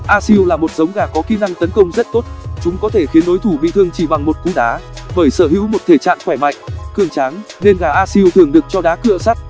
asil là một giống gà có kỹ năng tấn công rất tốt chúng có thể khiến đối thủ bị thương chỉ bằng một cú đá bởi sở hữu một thể trạng khỏe mạnh cường tráng nên gà asil thường được cho đá cựa sắt